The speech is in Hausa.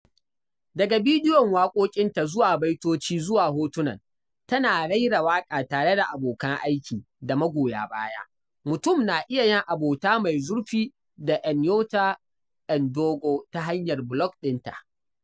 Daga bidiyon waƙoƙinta zuwa baitoci zuwa hotunan, tana raira waƙa tare da abokan aiki da magoya baya, mutum na iya yin abota mai zurfi da Nyota Ndogo ta hanyar blog ɗinta.